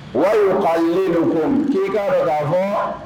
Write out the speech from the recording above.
Wa ka le dogo k'i karɔ fɔ